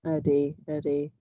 Ydy, ydy.